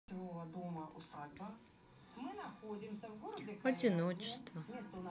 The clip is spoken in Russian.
одиночество